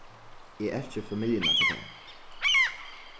eg elski familjuna hjá mær